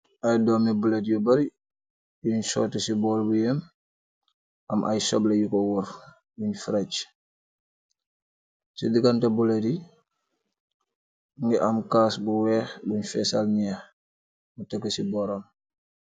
Ay doomi bulet yu bari yuñ soytu ci bowl bu yeem am ay soble yu ko wor yun fereg ci digante bulet yi mogi am kaas bu weex bun feesal niix tekk ko si boram.